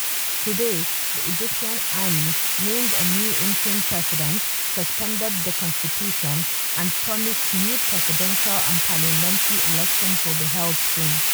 Today, the Egyptian army named a new interim president, suspended the constitution and promised new presidential and parliamentary elections will be held soon.